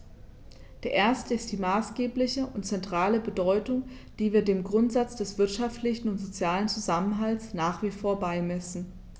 Der erste ist die maßgebliche und zentrale Bedeutung, die wir dem Grundsatz des wirtschaftlichen und sozialen Zusammenhalts nach wie vor beimessen.